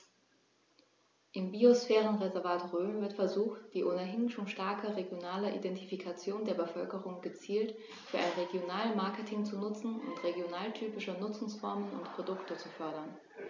Im Biosphärenreservat Rhön wird versucht, die ohnehin schon starke regionale Identifikation der Bevölkerung gezielt für ein Regionalmarketing zu nutzen und regionaltypische Nutzungsformen und Produkte zu fördern.